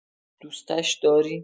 دوستش داری؟